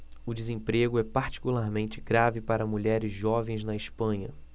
o desemprego é particularmente grave para mulheres jovens na espanha